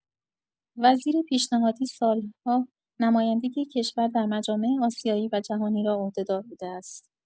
وزیر پیشنهادی سال‌ها نمایندگی کشور در مجامع آسیایی و جهانی را عهده‌دار بوده است.